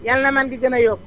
Yàlla na mën gi gën a yokk